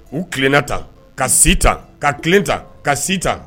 U kilen na tan ka si tan ka kilen tan ka si tan.